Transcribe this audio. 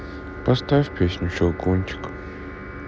поставь песню щелкунчик